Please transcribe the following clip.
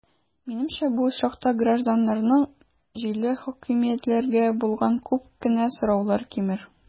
Минемчә, бу очракта гражданнарның җирле хакимиятләргә булган күп кенә сораулары кимер.